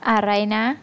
อะไรนะ